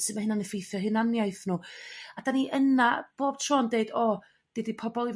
sud ma' hyna'n effeithio hunaniaeth nhw a dan ni yna bob tro'n deud o dydy pobl